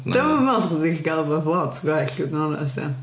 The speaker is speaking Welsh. Dwi'm yn meddwl fysech chdi 'di gallu cael wbath lot gwell i fod yn onest ia.